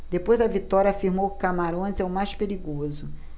depois da vitória afirmou que camarões é o mais perigoso